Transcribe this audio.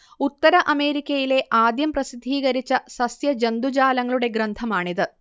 ഉത്തര അമേരിക്കയിലെ ആദ്യം പ്രസിദ്ധീകരിച്ച സസ്യ ജന്തുജാലങ്ങളുടെ ഗ്രന്ഥമാണിത്